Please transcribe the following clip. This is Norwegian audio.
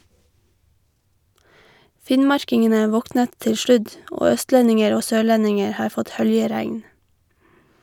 Finnmarkingene våknet til sludd, og østlendinger og sørlendinger har fått høljregn.